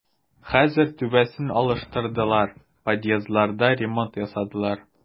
Хәзер түбәсен алыштырдылар, подъездларда ремонт ясадылар.